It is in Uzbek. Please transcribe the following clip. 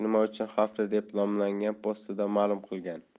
nima uchun xavfli deb nomlangan postida ma'lum qilgan